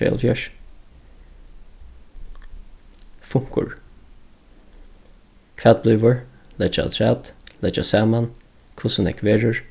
sjeyoghálvfjerðs funkur hvat blívur leggja afturat leggja saman hvussu nógv verður